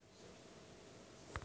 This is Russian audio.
лезгинский концерт